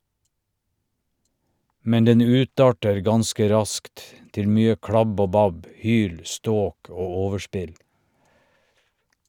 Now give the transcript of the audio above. Men den utarter ganske raskt, til mye klabb og babb, hyl, ståk og overspill.